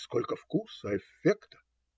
Сколько вкуса, эффекта!